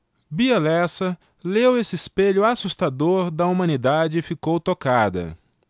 bia lessa leu esse espelho assustador da humanidade e ficou tocada